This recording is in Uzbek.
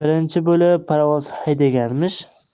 birinchi bo'lib parovoz haydaganmish